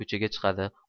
ko'chaga chiqadi